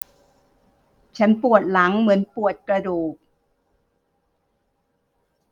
ฉันปวดหลังเหมือนปวดกระดูก